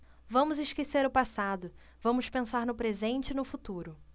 vamos esquecer o passado vamos pensar no presente e no futuro